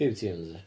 Few tunes yndi?